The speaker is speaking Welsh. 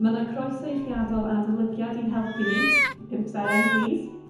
Ma' 'na groeso i chi adel adolygiad i'n helpu ni. Pump seren plîs!